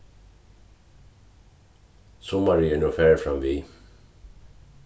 summarið er nú farið framvið